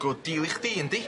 Good deal i chdi yndi?